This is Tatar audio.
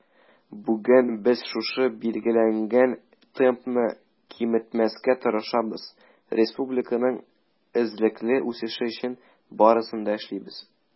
Бүген без шушы билгеләнгән темпны киметмәскә тырышабыз, республиканың эзлекле үсеше өчен барысын да эшлибез.